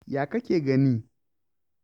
Yaya kake gani?